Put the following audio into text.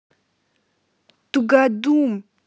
тугодум